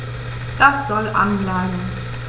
Das soll an bleiben.